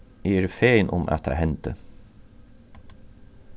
eg eri fegin um at tað hendi